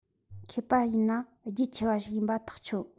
མཁས པ ཡིན ན རྒྱུས ཆེ བ ཞིག ཡིན པ ཐག ཆོད